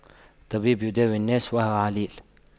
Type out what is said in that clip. طبيب يداوي الناس وهو عليل